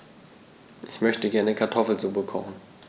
Ich möchte gerne Kartoffelsuppe kochen.